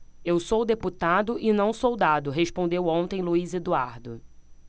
eu sou deputado e não soldado respondeu ontem luís eduardo